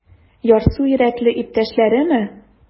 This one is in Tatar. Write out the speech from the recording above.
Ярсу йөрәкле иптәшләреме?